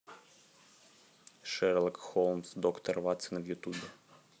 шерлок холмс доктор ватсон в ютубе